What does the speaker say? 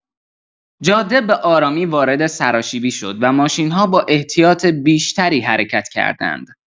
جاده به‌آرامی وارد سراشیبی شد و ماشین‌ها با احتیاط بیشتری حرکت کردند.